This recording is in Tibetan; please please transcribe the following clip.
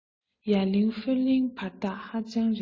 ཡ གླིང ཧྥེ གླིང བར ཐག ཧ ཅང རིང